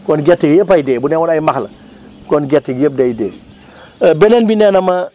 kon gerte gi yëppay dee bu newoon ay max la kon gerte gi yëpp day dee beneen bi nee na ma